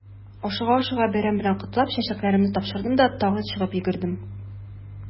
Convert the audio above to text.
Ашыга-ашыга бәйрәм белән котлап, чәчәкләремне тапшырдым да тагы чыгып йөгердем.